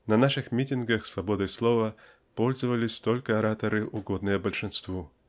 На наших митингах свободой слова пользовались только ораторы угодные большинству